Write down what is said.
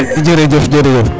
jerejef jerejef